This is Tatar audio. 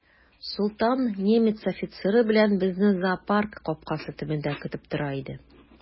Солтан немец офицеры белән безне зоопарк капкасы төбендә көтеп тора иде.